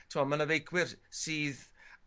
T'mo' ma' 'na feicwyr sydd